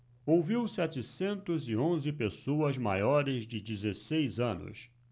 ouviu setecentos e onze pessoas maiores de dezesseis anos